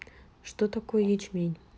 что такое ячмень